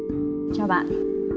chào bạn